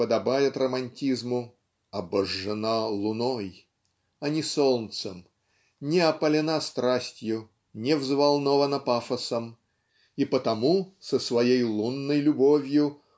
и подобает романтизму) "обожжена луной" а не солнцем не опалена страстью не взволнована пафосом и потому со своей лунною любовью